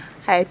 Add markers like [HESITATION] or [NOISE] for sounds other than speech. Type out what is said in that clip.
[HESITATION] [HESITATION]